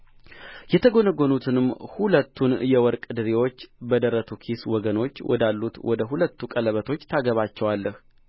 የተጐነጐኑትንም ሁለቱን የወርቅ ድሪዎች በደረቱ ኪስ ወገኖች ወዳሉት ወደ ሁለቱ ቀለበቶች ታገባቸዋለህ